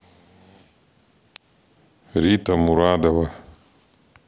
рита мурадова